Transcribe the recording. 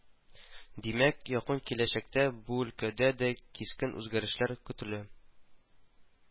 Димәк, якын киләчәктә бу өлкәдә дә кискен үзгәрешләр көтелә